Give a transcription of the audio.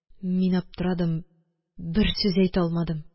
Мин аптырадым. Бер сүз әйтә алмадым.